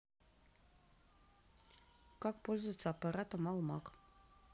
как пользоваться аппаратом алмаг